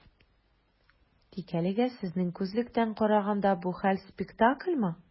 Тик әлегә, сезнең күзлектән караганда, бу хәл - спектакльмы?